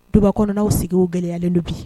Duba kɔnɔ n'aw sigiw gɛlɛyalen do bi